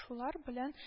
Шулар белән